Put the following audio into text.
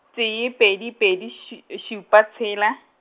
tee pedi pedi š-, šupa tshela.